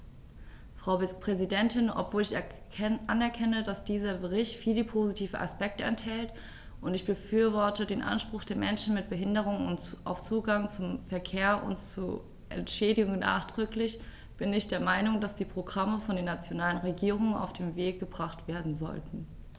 Frau Präsidentin, obwohl ich anerkenne, dass dieser Bericht viele positive Aspekte enthält - und ich befürworte den Anspruch der Menschen mit Behinderung auf Zugang zum Verkehr und zu Entschädigung nachdrücklich -, bin ich der Meinung, dass diese Programme von den nationalen Regierungen auf den Weg gebracht werden sollten.